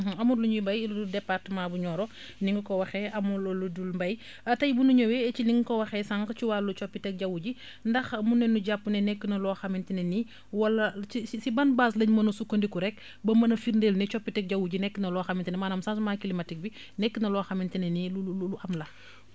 amut lu ñuy bay lu dul départeent bu Nioro ni nga ko waxee amuloo lu dul mbay tay bu ñu ñëwee ci ni nga ko waxee sànq ci wàllu coppiteg jaww ji ndax mën nañu jàpp ne nekk na loo xamante ne ni wala ci ci si ban base la ñu mën a sukkandiku rekk ba mën a firndéel ne coppiteg jaww ji nekk na loo xamante ne maanaam changement climatique bi nekk na loo xamante ne ni lu lu lu am la